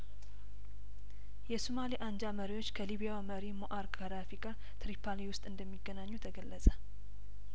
የሶማሌ አንጃ መሪዎች ከሊቢያው መሪ ሞአር ጋዳፊ ጋር ትሪፖሊ ውስጥ እንደሚገናኙ ተገለጸ